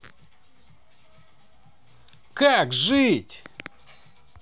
как жить